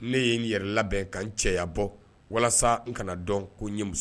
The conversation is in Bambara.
Ne ye n yɛrɛ labɛn ka n cɛya bɔ walasa n kana dɔn ko ɲɛ muso